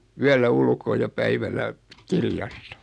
yöllä ulkoa ja päivällä kirjasta